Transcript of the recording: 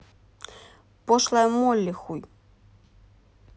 пошлая молли хуй